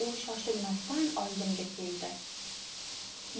u shoshilmasdan oldimga keldi